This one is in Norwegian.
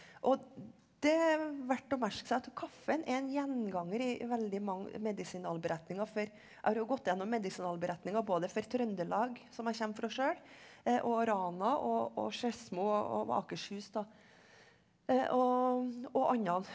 og det er verdt å merke seg at kaffen er en gjenganger i veldig mange medisinalberetninger for jeg har jo gått gjennom medisinalberetninger både for Trøndelag som jeg kommer fra sjøl og Rana og og Skedsmo og og Akershus da og andre.